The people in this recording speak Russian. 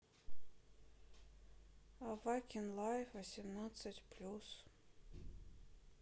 авакин лайф восемнадцать плюс